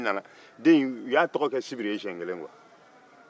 u y'a tɔgɔ kɛ sibiri ye siɲɛ kelen kuwa